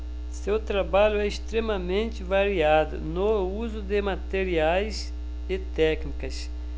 seu trabalho é extremamente variado no uso de materiais e técnicas